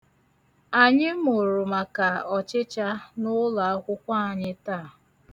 Anyị mụrụ maka ọchịcha n'ụlọakwụkwọ anyị taa.